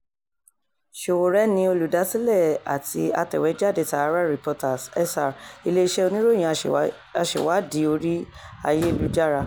Sowore ni olùdásílẹ̀ àti atẹ̀wéjáde SaharaReporters (SR), ilé-iṣẹ́ oníròyìn aṣèwádìí orí-ayélujára.